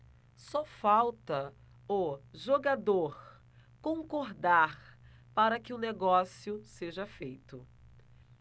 só falta o jogador concordar para que o negócio seja feito